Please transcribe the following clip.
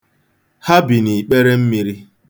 Ha bi n'ikperemmiri.